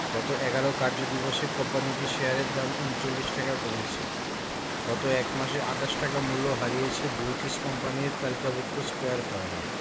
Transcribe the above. গত ১১ কার্যদিবসে কোম্পানিটির শেয়ারের দাম ৩৯ টাকা কমেছে গত এক মাসে ২৮ টাকা মূল্য হারিয়েছে ব্লু চিপস কোম্পানির তালিকাভুক্ত স্কয়ার ফার্মা